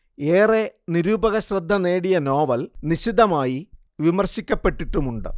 ഏറെ നിരൂപകശ്രദ്ധ നേടിയ നോവൽ നിശിതമായി വിമർശിക്കപ്പെട്ടിട്ടുമുണ്ട്